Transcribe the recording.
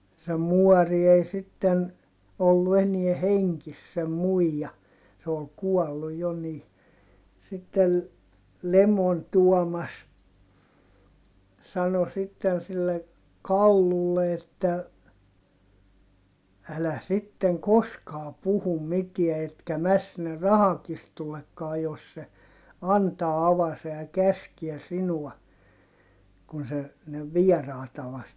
se muori ei sitten ollut enää hengissä sen muija se oli kuollut jo niin sitten Lemon Tuomas sanoi sitten sille Kallulle että älä sitten koskaan puhu mitään etkä mene sinne rahakirstullekaan jos se antaa avasen ja käskee sinua kun se ne vieraita vasten